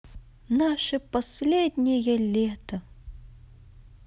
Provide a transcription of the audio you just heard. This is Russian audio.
наше последнее лето